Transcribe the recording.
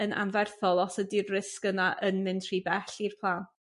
yn anferthol os ydi'r risg yna yn mynd rhy bell i'r plant.